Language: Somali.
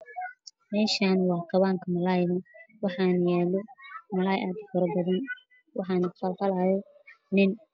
Meshaan waa kawaan maleyga waxaana yaalo maley aad ufara badan waxaana qalqalaayo nin